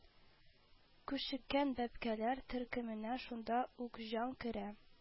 Күшеккән бәбкәләр төркеменә шунда ук җан керә